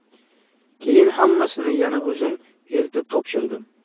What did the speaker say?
ke yin hammasini yana o'zim eltib topshirdim